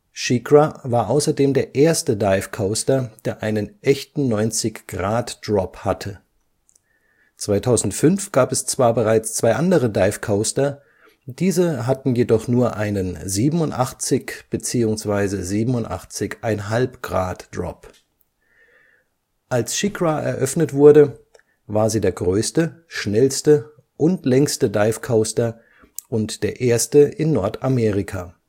SheiKra war außerdem der erste Dive Coaster, der einen echten 90°-Drop hatte. 2005 gab es zwar bereits zwei andere Dive Coaster, diese hatten jedoch nur einen 87° - bzw. 87,5°-Drop. Als Sheikra eröffnet wurde, war sie der größte, schnellste und längste Dive Coaster und der erste in Nordamerika